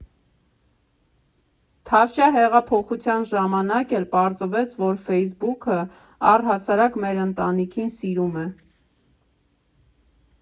Թավշյա հեղափոխության ժամանակ էլ պարզվեց, որ ֆեյսբուքը առհասարակ մեր ընտանիքին սիրում է.